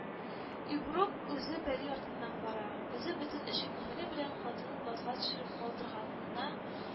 —. ибрук үзе пәри артыннан бара, үзе бетен эче-күңеле белән хатынын базга төшереп калдырганына